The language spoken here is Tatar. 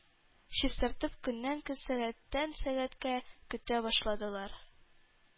Чистартып көннән-көн, сәгатьтән-сәгатькә көтә башладылар,